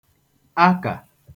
akà